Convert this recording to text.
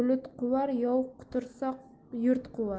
yov qutursa yurt quvar